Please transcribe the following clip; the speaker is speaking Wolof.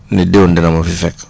ne déwén dana ma fi fekk